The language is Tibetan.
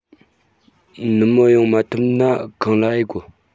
ནུབ མོ ཡོང མ ཐུབ ན ཁང གླ ཨེ དགོ